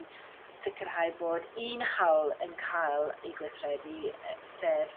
i sicrhau bod un hawl yn cael ei gweithredu sef